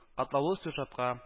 Катлаулы сюжетка